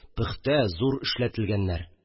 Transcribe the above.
Пөхтә, зур эшләтелгәннәр